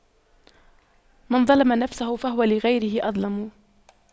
من ظَلَمَ نفسه فهو لغيره أظلم